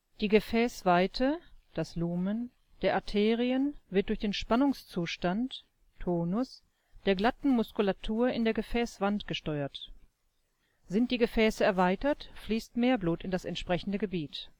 Die Gefäßweite (das Lumen) der Arterien wird durch den Spannungszustand (Tonus) der glatten Muskulatur in der Gefäßwand gesteuert. Sind die Gefäße erweitert, fließt mehr Blut in das entsprechende Gebiet